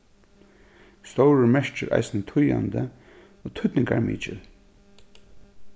stórur merkir eisini týðandi og týdningarmikil